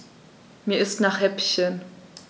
Mir ist nach Häppchen.